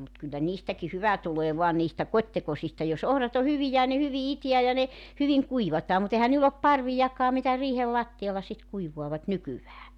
mutta kyllä niistäkin hyvä tulee vain niistä kotitekoisista jos ohrat on hyviä ja ne hyvin itää ja ne hyvin kuivataan mutta eihän niillä ole parviakaan mitä riihen lattialla sitten kuivaavat nykyään